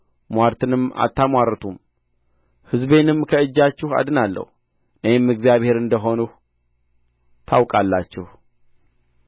ምዋርትንም አታምዋርቱም ሕዝቤንም ከእጃችሁ አድናለሁ እኔም እግዚአብሔር እንደ ሆንሁ ታውቃላችሁ